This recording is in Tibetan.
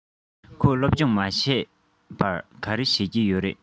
ཁོས སློབ སྦྱོང མ བྱས པར ག རེ བྱེད ཀྱི ཡོད རས